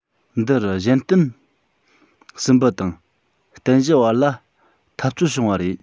འདི རུ གཞན རྟེན སྲིན འབུ དང རྟེན གཞི བར ལ འཐབ རྩོད བྱུང བ རེད